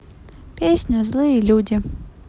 песня злые люди